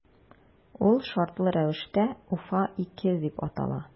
Ул шартлы рәвештә “Уфа- 2” дип атала.